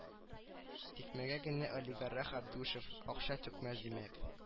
Тикмәгә генә олигарах абдюшев акча түкмәс димәк